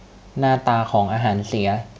หน้าตาของอาหารเสีย